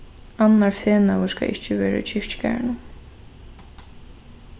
annar fenaður skal ikki verða í kirkjugarðinum